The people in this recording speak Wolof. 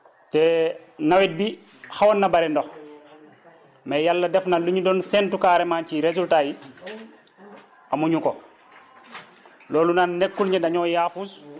te nawet bi xawoon na bëri ndox mais yàlla def na lu ñu doon séntu carrément ci résultat yi amuñu ko loolu nag nekkul ne dañoo yaafus